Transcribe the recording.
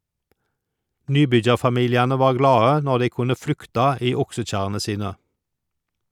Nybyggjarfamiliane var glade når dei kunne flykta i oksekjerrene sine.